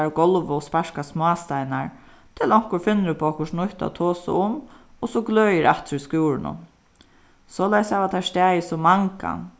teir og gálva og sparka smásteinar til onkur finnur upp á okkurt nýtt at tosa um og so gløðir aftur í skúrinum soleiðis hava teir staðið so mangan